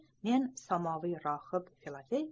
men samoviy rohib filofey